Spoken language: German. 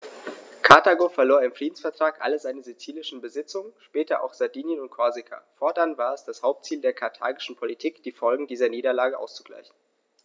Karthago verlor im Friedensvertrag alle seine sizilischen Besitzungen (später auch Sardinien und Korsika); fortan war es das Hauptziel der karthagischen Politik, die Folgen dieser Niederlage auszugleichen.